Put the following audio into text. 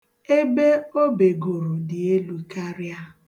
Ebe o begoro dị elu karịa.